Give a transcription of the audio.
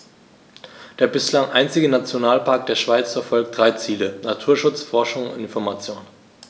Der bislang einzige Nationalpark der Schweiz verfolgt drei Ziele: Naturschutz, Forschung und Information.